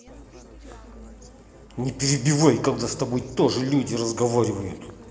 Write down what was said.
не перебивай когда с тобой тоже люди разговаривают